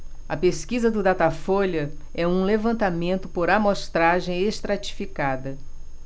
a pesquisa do datafolha é um levantamento por amostragem estratificada